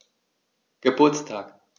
Geburtstag